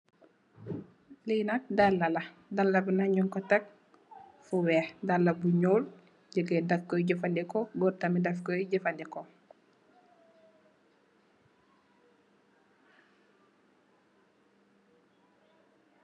Lii nak daalah la, daalah bii nak njung kor tek fu wekh, daalah bu njull, gigain dafkoi jeufandehkor, gorre tamit dafkoi jeufandehkor.